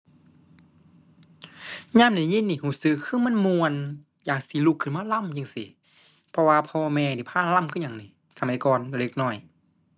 ยามได้ยินนี่ รู้สึกคือมันม่วน อยากสิลุกขึ้นมารำจั่งซี้ เพราะว่าพ่อแม่นี่ ฟังลำคือหยังนี่ สมัยก่อนเด็กน้อย